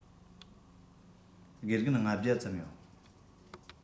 དགེ རྒན ༥༠༠ ཙམ ཡོད